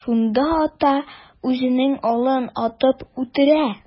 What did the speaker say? Шунда ата үзенең улын атып үтерә.